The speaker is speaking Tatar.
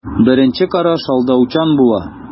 Беренче караш алдаучан була.